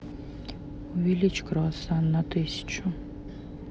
увеличь круассан на тысячу